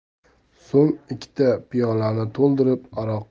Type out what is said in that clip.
so'ng ikkita piyolani to'ldirib aroq